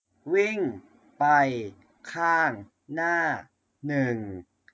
วิ่งไปข้างหน้าหนึ่ง